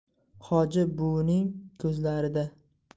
hoji buvining ko'zlarida